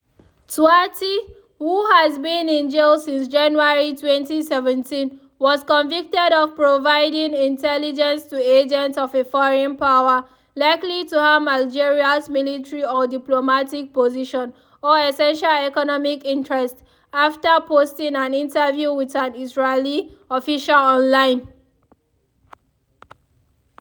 Touati, who has been in jail since January 2017, was convicted of providing “intelligence to agents of a foreign power likely to harm Algeria’s military or diplomatic position or essential economic interests” after posting an interview with an Israeli official online.